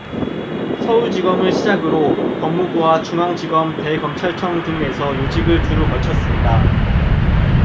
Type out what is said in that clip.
서울지검을 시작으로 법무부와 중앙지검 대검찰청 등에서 요직을 두루 걸쳤습니다